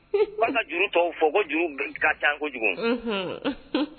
Walasa' juru tɔw fɔ ko juruka ca kojugu